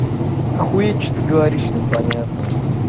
ахуеть что ты говоришь непонятно